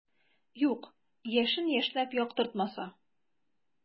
Юк, яшен яшьнәп яктыртмаса.